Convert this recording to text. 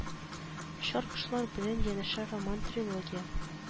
Очар кошлар белән янәшә роман-трилогия